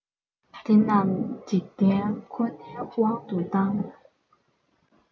དེ རྣམས འཇིག རྟེན ཁོ ནའི དབང དུ བཏང